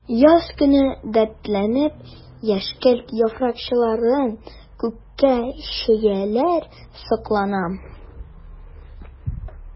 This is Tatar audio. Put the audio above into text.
Яз көне дәртләнеп яшькелт яфракчыкларын күккә чөяләр— сокланам.